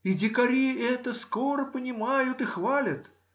И дикари это скоро понимают и хвалят